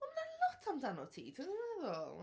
Ond mae 'na lot amdano ti, ti'n gwybod be dwi'n feddwl?